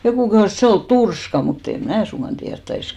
joku kehui että se oli turskaa mutta en minä suinkaan tiedä taisi kyllä olla